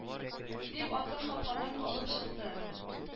- дип атын капкадан алып чыкты